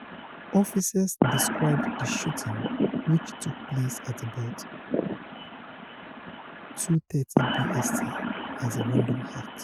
Officers described the shooting, which took place at about 02:30 BST, as a "random act."